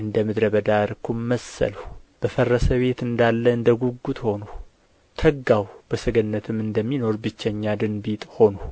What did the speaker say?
እንደ ምድረ በዳ እርኩም መሰልሁ በፈረሰ ቤት እንዳለ እንደ ጕጕት ሆንሁ ተጋሁ በሰገነትም እንደሚኖር ብቸኛ ድንቢጥ ሆንሁ